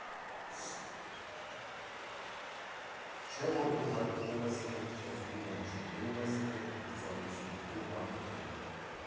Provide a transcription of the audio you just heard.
Չէ՞ որ դու հայտնվում ես այդ կեղտի մեջ, ունենում ես այդ փորձառությունը և մաքրվում։